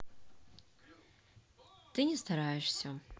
ты не стараешься